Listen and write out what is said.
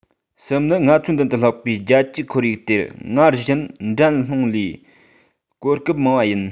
གསུམ ནི ང ཚོའི མདུན དུ ལྷགས པའི རྒྱལ སྤྱིའི ཁོར ཡུག དེར སྔར བཞིན འགྲན སློང ལས གོ སྐབས མང བ ཡིན